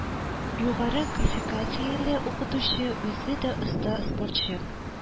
Югары квалификацияле укытучы үзе дә оста спортчы